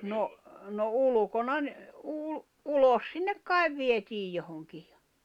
no no ulkona -- ulos sinne kai vietiin johonkin ja